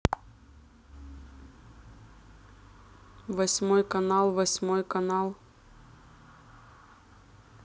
восьмой канал восьмой канал